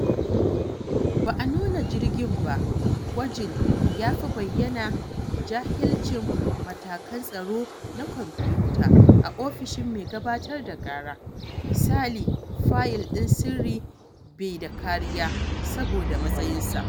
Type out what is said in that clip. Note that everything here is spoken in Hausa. Ba a nuna jirgin ba, gwajin ya fi bayyana jahilcin matakan tsaro na kwamfuta a ofishin mai gabatar da kara, misali fayil ɗin sirri bai da kariya saboda matsayinsa.